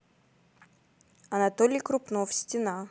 анатолий крупнов стена